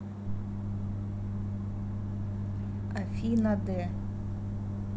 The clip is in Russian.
афина д